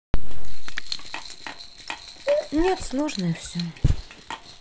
нет сложное все